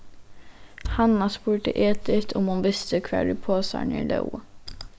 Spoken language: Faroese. hanna spurdi edit um hon visti hvar ið posarnir lógu